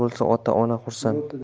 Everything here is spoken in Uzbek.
bo'lsa ota ona xursand